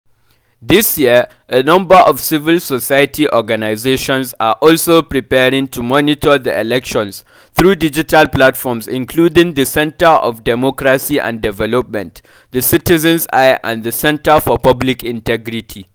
This year, a number of civil society organizations are also preparing to monitor the elections through digital platforms, including the Center for Democracy and Development, the Citizen's Eye and the Center for Public Integrity.